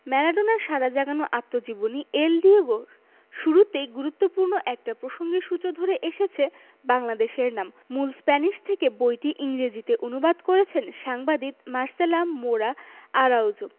ম্যারাডোনার সাড়া জাগানো আত্মজীবনী এল ডিয়েগো র শুরুতেই গুরুত্বপূর্ণ একটা প্রসঙ্গের সূত্র ধরে এসেছে বাংলাদেশের নাম মূল স্প্যানিশ থেকে বইটি ইংরেজিতে অনু্বাদ করেছেন সাংবাদিক মার্সেলা মোরা আরাউজো